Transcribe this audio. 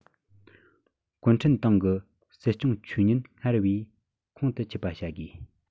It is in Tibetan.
གུང ཁྲན ཏང གི སྲིད སྐྱོང ཆོས ཉིད སྔར བས ཁོང དུ ཆུད པ བྱ དགོས